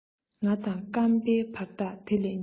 ང དང བརྐམ པའི བར ཐག དེ ལས ཉེ